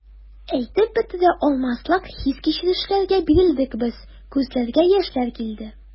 Әйтеп бетерә алмаслык хис-кичерешләргә бирелдек без, күзләргә яшьләр килде.